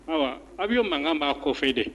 Ayiwa a'yeo mankan b'a kɔ fɛ dɛ